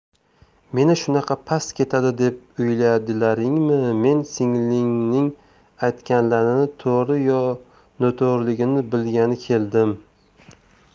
meni shunaqa past ketadi deb o'yladilaringmi men singlingning aytganlarini to'g'ri yo noto'g'riligini bilgani keldim